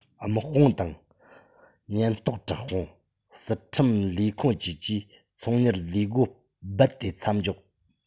དམག དཔུང དང ཉེན རྟོག དྲག དཔུང སྲིད ཁྲིམས ལས ཁུངས བཅས ཀྱིས ཚོང གཉེར ལས སྒོ རྦད དེ མཚམས འཇོག